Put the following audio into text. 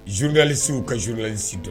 Zuruvyalisiww ka zuruli si dɔn